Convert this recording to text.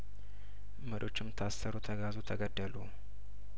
መሪዎቹም ታሰሩ ተጋዙ ተገደሉ